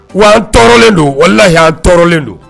Wa tɔɔrɔlen don wala'an tɔɔrɔlen don